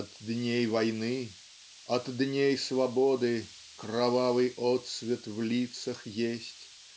От дней войны, от дней свободы - Кровавый отсвет в лицах есть.